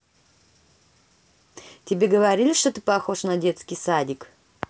тебе говорили что ты похож на детский садик